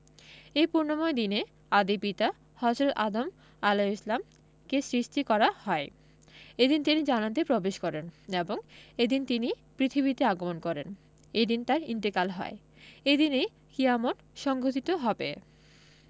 এ পুণ্যময় দিনে আদি পিতা হজরত আদম আ কে সৃষ্টি করা হয় এদিন তিনি জান্নাতে প্রবেশ করেন এবং এদিন তিনি পৃথিবীতে আগমন করেন এদিন তাঁর ইন্তেকাল হয় এদিনেই কিয়ামত সংঘটিত হবে